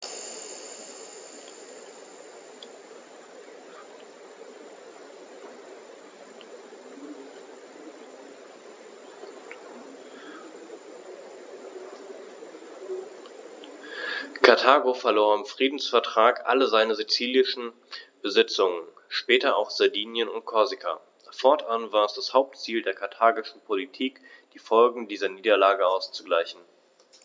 Karthago verlor im Friedensvertrag alle seine sizilischen Besitzungen (später auch Sardinien und Korsika); fortan war es das Hauptziel der karthagischen Politik, die Folgen dieser Niederlage auszugleichen.